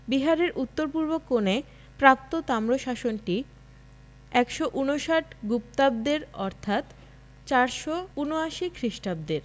বিহারের উত্তর পূর্ব কোণে প্রাপ্ত তাম্রশাসনটি ১৫৯ গুপ্তাব্দের অর্থাৎ ৪৭৯ খ্রিস্টাব্দের